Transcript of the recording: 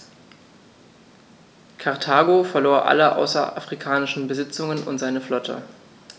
Karthago verlor alle außerafrikanischen Besitzungen und seine Flotte.